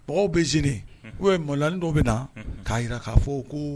Mɔgɔw bɛ gêné, unhun ou bien maloyani dɔ bɛ na ka jira k'a fɔ ko